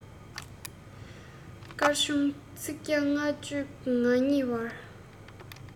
སྐར ཆུང ཚིག བརྒྱ ལྔ བཅུ ང གཉིས བར